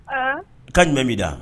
Hann kan jumɛn b'i da